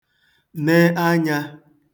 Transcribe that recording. ne anyā